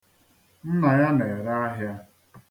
Nna ya na-ere ahịa.